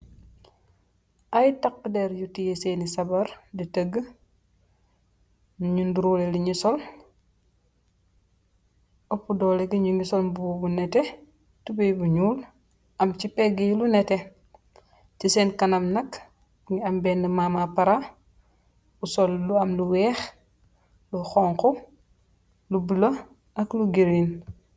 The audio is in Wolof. ay taq der yu tie seeni sabar di tëgg ñu ndróole li ni sol ëpp doole gi ñu ngi sol bu bu nete tubey bu ñuul am ci peggi lu nete ci seen kanam nak ni am bend mama para bu sol lu am lu weex lu xonk lu bula ak lu girin